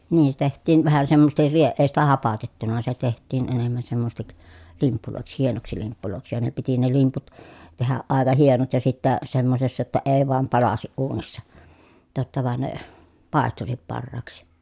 niin se tehtiin vähän semmoisesti - ei sitä hapatettu se tehtiin enemmän semmoiseksi limpuiksi hienoksi limpuiksi ja ne piti ne limput tehdä aika hienot ja sitten semmoisessa jotta ei vain palaisi uunissa totta vaan ne paistuisi parhaaksi